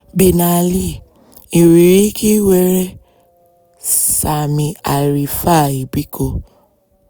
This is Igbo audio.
Bin Ali ị nwere ike ịwere samir alrifai biko?